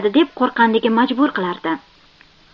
deb qo'rqqanligim majbur qilardi